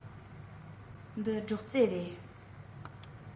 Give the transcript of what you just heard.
ཁུ བོ ཡུ ལེས ཡབ ཀྱིས ཁོང རང སྤྲད པའི བགོ སྐལ ནས ཀྱང གང ཡང ཞིག ཧམ ཟོས བྱས